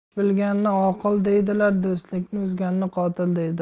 ish bilganni oqil deydilar do'stlikni uzganni qotil deydilar